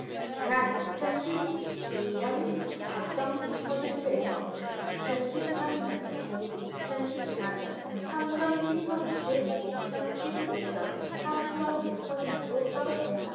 지난 이천 십 이 년 사 쩜 공 퍼센트에서 이천 십 삼 년 및 이천 십 사 년 삼 쩜 칠 퍼센트 이천 십 오 년 삼 쩜 육 퍼센트로 떨어졌다